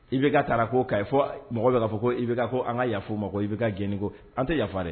I bɛ ka taa ko ka fɔ mɔgɔ'' fɔ ko i bɛ fɔ an ka yafa ma i bɛ ka geni ko an tɛ yafa de ye